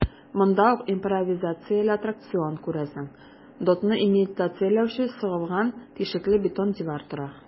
Монда ук импровизацияле аттракцион - күрәсең, дотны имитацияләүче сыгылган тишекле бетон дивар тора.